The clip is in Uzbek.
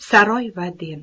saroy va din